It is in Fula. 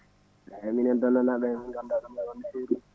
eyyi minen Donnaye naaɓe min gandu ɗum ɗon noon no fewi de